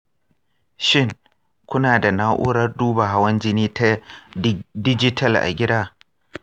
shin, kuna da na'urar duba hawan jini ta dijital a gida?